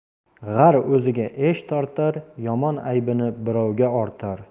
g'ar o'ziga esh tortar yomon aybini birovga ortar